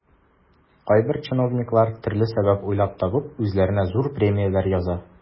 Кайбер чиновниклар, төрле сәбәп уйлап табып, үзләренә зур премияләр яза.